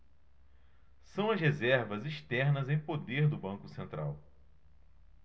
são as reservas externas em poder do banco central